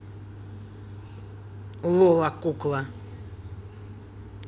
lola кукла